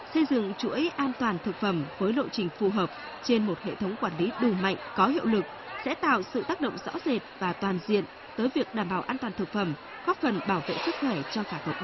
xây dựng chuỗi an toàn thực phẩm với lộ trình phù hợp trên một hệ thống quản lý đủ mạnh có hiệu lực sẽ tạo sự tác động rõ rệt và toàn diện tới việc đảm bảo an toàn thực phẩm góp phần bảo vệ sức khỏe cho cả cộng